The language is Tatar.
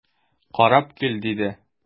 Карап кил,– диде.